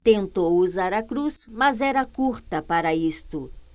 tentou usar a cruz mas era curta para isto